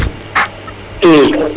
i